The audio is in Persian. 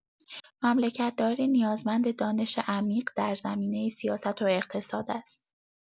مملکت‌داری نیازمند دانش عمیق در زمینۀ سیاست و اقتصاد است.